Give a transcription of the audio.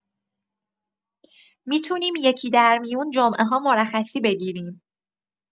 می‌تونیم یکی‌درمیون جمعه‌ها مرخصی بگیریم.